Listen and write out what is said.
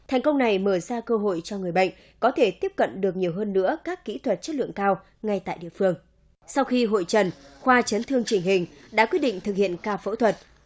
thành công này mở ra cơ hội cho người bệnh có thể tiếp cận được nhiều hơn nữa các kỹ thuật chất lượng cao ngay tại địa phương sau khi hội chẩn khoa chấn thương chỉnh hình đã quyết định thực hiện ca phẫu thuật